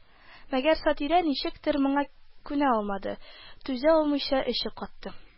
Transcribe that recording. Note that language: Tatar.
Мәгәр Сатирә ничектер моңа күнә алмады, түзә алмыйча эче катты